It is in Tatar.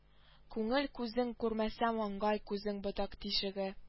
Күңел күзең күрмәсә маңгай күзең ботак тишеге